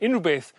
unryw beth